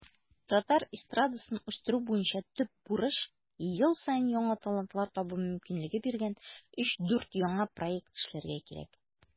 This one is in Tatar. Татар эстрадасын үстерү буенча төп бурыч - ел саен яңа талантлар табу мөмкинлеге биргән 3-4 яңа проект эшләргә кирәк.